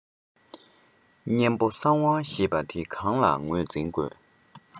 གཉན པོ གསང བ ཞེས པ དེ གང ལ ངོས འཛིན དགོས